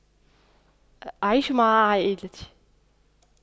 اعيش مع عائلتي